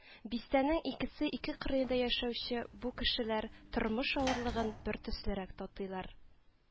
Бистәнең икесе ике кырыенда яшәүче бу кешеләр тормыш авырлыгын бертөслерәк татыйлар